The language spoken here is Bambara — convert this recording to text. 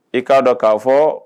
I k'a dɔn k'a fɔ